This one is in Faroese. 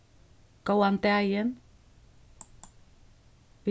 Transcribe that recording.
góðan dagin